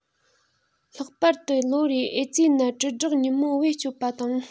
ལྷག པར དུ ལོ རེའི ཨེ ཙི ནད དྲིལ བསྒྲགས ཉིན མོ བེད སྤྱོད པ དང